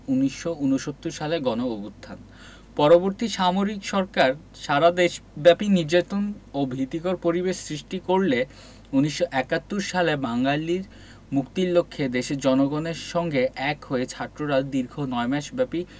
১৯৬৯ সালের গণঅভুত্থান পরবর্তী সামরিক সরকার সারা দেশব্যাপী নির্যাতন ও ভীতিকর পরিবেশ সৃষ্টি করলে ১৯৭১ সালে বাঙালির মুক্তির লক্ষ্যে দেশের জনগণের সঙ্গে এক হয়ে ছাত্ররা দীর্ঘ নয় মাসব্যাপী